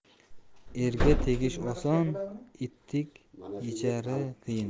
erga tegish oson etik yechari qiyin